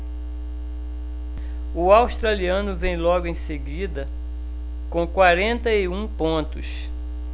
o australiano vem logo em seguida com quarenta e um pontos